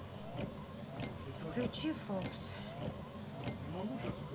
включи фокс